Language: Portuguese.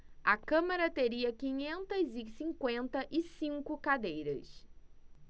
a câmara teria quinhentas e cinquenta e cinco cadeiras